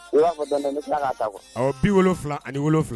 I ba fɔ dɔɔni dɔɔni. N bi kila ka ta quoi . Awɔ 77